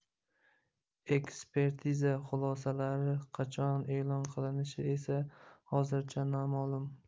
ekspertiza xulosalari qachon e'lon qilinishi esa hozircha noma'lum